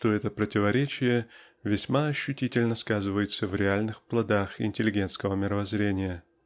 что это противоречие весьма ощутительно сказывается в реальных плодах интеллигентского мировоззрения.